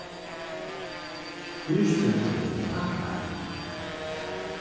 fyrr spældu tey pacman